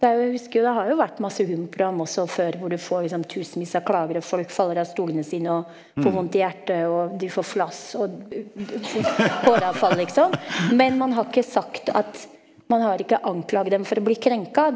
det er jo jeg husker jo det har jo vært masse humorprogram også før hvor du får liksom tusenvis av klager, og folk faller av stolene sine og får vondt i hjertet, og de får flass og håravfall liksom, men man har ikke sagt at man har ikke anklaget dem for å bli krenka.